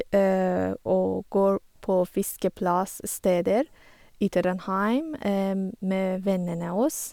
Og går på fiskeplass-steder i Trondheim med vennene oss.